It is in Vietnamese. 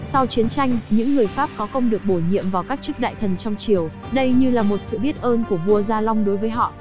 sau chiến tranh những người pháp có công được bổ nhiệm vào các chức đại thần trong triều đây như là sự biết ơn của vua gia long đối với họ